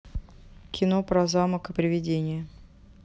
кино про замок и привидения